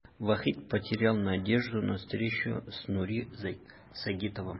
Һәм Вахит Нури Сагитов белән очрашуга өметен өзде.